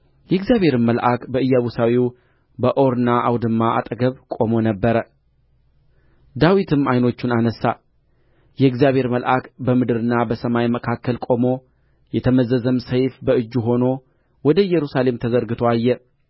የእግዚአብሔርም መልአክ በኢያቡሳዊው በኦርና አውድማ አጠገብ ቆሞ ነበር ዳዊትም ዓይኖቹን አነሣ የእግዚአብሔር መልአክ በምድርና በሰማይ መካከል ቆሞ የተመዘዘም ሰይፍ በእጁ ሆኖ ወደ ኢየሩሳሌም ተዘርግቶ አየ